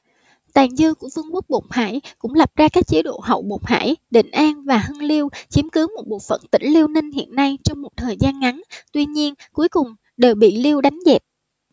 tàn dư của vương quốc bột hải cũng lập ra các chế độ hậu bột hải định an và hưng liêu chiếm cứ một bộ phận tỉnh liêu ninh hiện nay trong một thời gian ngắn tuy nhiên cuối cùng đều bị liêu đánh dẹp